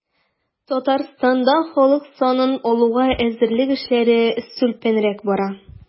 Татарстанда халык санын алуга әзерлек эшләре сүлпәнрәк бара.